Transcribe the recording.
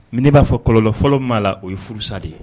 Ni ne b'a fɔ, kɔlɔlɔ fɔlɔ mi b'a la o ye furusa de ye.